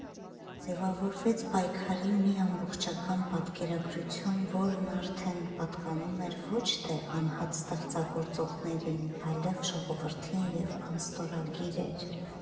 Ձևավորվեց պայքարի մի ամբողջական պատկերագրություն, որն արդեն պատկանում էր ոչ թե անհատ ստեղծագործողներին, այլ ժողովրդին և անստորագիր էր։